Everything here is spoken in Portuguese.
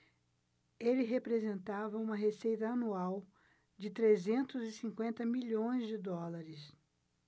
ele representava uma receita anual de trezentos e cinquenta milhões de dólares